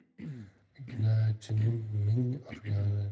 ignachining ming urgani